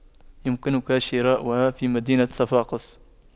يمكنك شراءها في مدينة صفاقس